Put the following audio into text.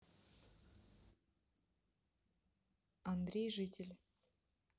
андрей житель